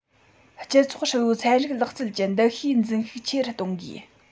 སྤྱི ཚོགས ཧྲིལ པོའི ཚན རིག ལག རྩལ གྱི འདུ ཤེས འཛིན ཤུགས ཆེ རུ གཏོང དགོས